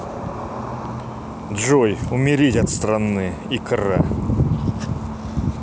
джой умереть от страны икра